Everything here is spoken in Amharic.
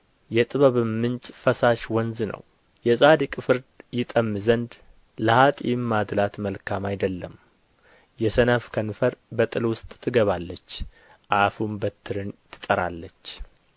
የጥበብም ምንጭ ፈሳሽ ወንዝ ነው የጻድቅ ፍርድ ይጠምም ዘንድ ለኀጥእም ማድላት መልካም አይደለም የሰነፍ ከንፈር በጥል ውስጥ ትገባለች አፉም በትርን ትጠራለች